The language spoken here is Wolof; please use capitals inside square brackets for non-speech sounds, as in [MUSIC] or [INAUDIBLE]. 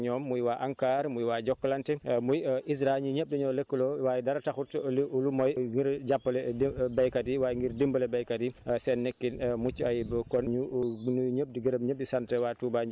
waaye mu lëkkaloo ak projet yu bëri yoo xam ne tey dañu ànd ak ñoom muy waa ANCAR muy waa Jokalante [HESITATION] muy ISRA ñii ñëpp dañoo lëkkaloo waaye dara taxut lu moy ngir jàppale béykat yi waaye ngir dimbale béykat yi [HESITATION] seen nekkin mucc ayib